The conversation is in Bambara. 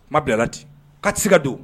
Kuma bilala ten, k'a tɛ se ka don